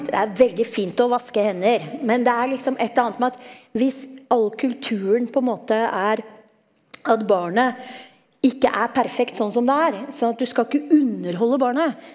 det er veldig fint å vaske hender, men det er liksom et eller annet med at hvis all kulturen på en måte er at barnet ikke er perfekt sånn som det er sånn at du skal ikke underholde barnet.